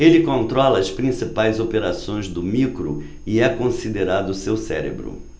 ele controla as principais operações do micro e é considerado seu cérebro